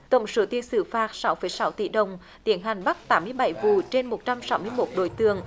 tổng số tiền xử phạt sáu phẩy sáu tỷ đồng tiến hành bắt tám mươi bảy vụ trên một trăm sáu mươi mốt đối tượng